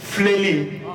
Filɛli